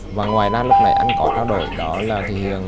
và ngoài ra lúc nãy anh có trao đổi đó là cái hiện